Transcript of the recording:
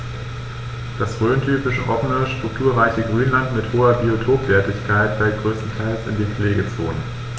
Das rhöntypische offene, strukturreiche Grünland mit hoher Biotopwertigkeit fällt größtenteils in die Pflegezone.